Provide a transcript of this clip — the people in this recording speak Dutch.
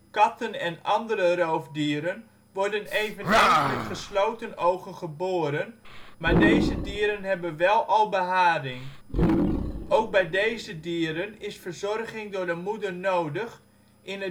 Katten en andere roofdieren worden eveneens met gesloten ogen geboren, maar deze dieren hebben wel al beharing. Ook bij deze dieren is verzorging door de moeder nodig, in